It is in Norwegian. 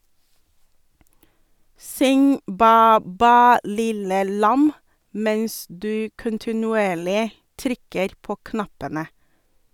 Syng "Bæ bæ lille lam" mens du kontinuerlig trykker på knappene.